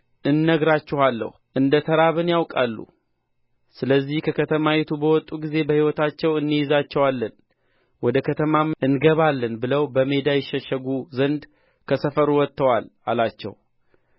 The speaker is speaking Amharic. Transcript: እነግራችኋለሁ እንደ ተራብን ያውቃሉ ስለዚህ ከከተማይቱ በወጡ ጊዜ በሕይወታቸው እንይዛቸዋለን ወደ ከተማም እንገባለን ብለው በሜዳ ይሸሸጉ ዘንድ ከሰፈሩ ወጥተዋል አላቸው